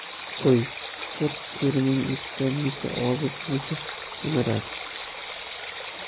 qo'y bir terming ichida necha ozib necha semirar